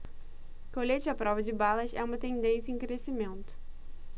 colete à prova de balas é uma tendência em crescimento